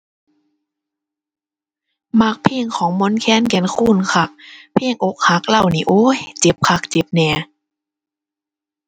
มักเพลงของมนต์แคน แก่นคูนคัก เพลงอกหักเลานี่ โอ้ย เจ็บคักเจ็บแหน่